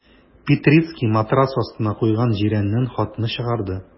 Петрицкий матрац астына куйган җирәннән хатны чыгарды.